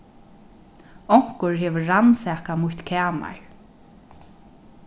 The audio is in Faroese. onkur hevur rannsakað mítt kamar